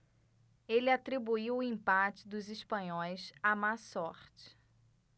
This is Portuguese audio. ele atribuiu o empate dos espanhóis à má sorte